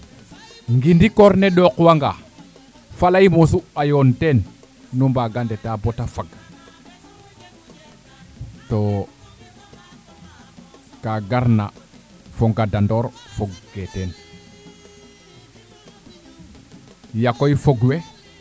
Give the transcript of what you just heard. ngini koor ne ɗook wanga faley mosu a a doon teen nu mbaaga ndeta bata fag too ka garna fo ngadanoor fog kee teen yakoy fog we